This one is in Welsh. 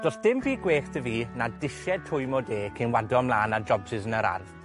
Do's dim byd gwell 'da fi na disied twym o de cyn wado mla'n â jobsys yn yr ardd.